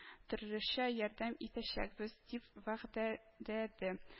Төрлечә ярдәм итәчәкбез", - дип вәгъ дә ләде